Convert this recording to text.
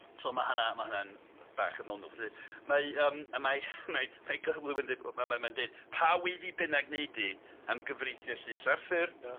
So ma' hynna ma' hwnna'n bach yn ddoniol. Felly mae yym a mae mae mae Glewlyd yn deu- we- ma' mae'n deud pa weiddi bynnag wnei di am gyfreithia' llys Arthur... Ia.